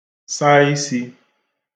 sa isī